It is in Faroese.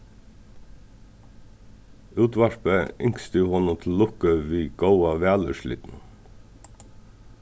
útvarpið ynskti honum til lukku við góða valúrslitinum